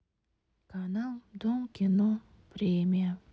канал дом кино премия